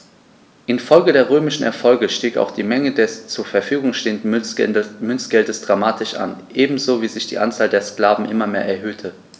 Infolge der römischen Erfolge stieg auch die Menge des zur Verfügung stehenden Münzgeldes dramatisch an, ebenso wie sich die Anzahl der Sklaven immer mehr erhöhte.